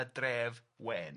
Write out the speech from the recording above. Y Dref Wen.